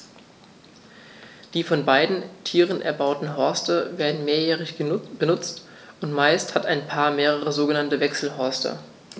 Die von beiden Tieren erbauten Horste werden mehrjährig benutzt, und meist hat ein Paar mehrere sogenannte Wechselhorste.